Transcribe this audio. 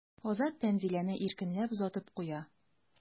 Азат Тәнзиләне иркенләп озатып куя.